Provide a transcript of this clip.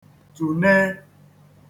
tùne